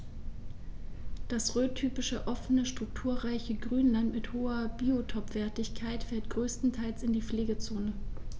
Das rhöntypische offene, strukturreiche Grünland mit hoher Biotopwertigkeit fällt größtenteils in die Pflegezone.